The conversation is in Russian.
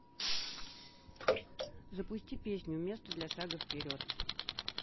запусти песню место для шага вперед